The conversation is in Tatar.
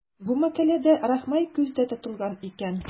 Бу мәкаләдә Рахмай күздә тотылган икән.